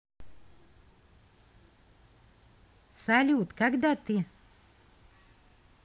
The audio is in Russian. салют когда ты